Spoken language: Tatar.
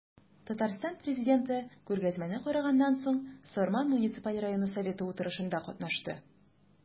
Татарстан Президенты күргәзмәне караганнан соң, Сарман муниципаль районы советы утырышында катнашты.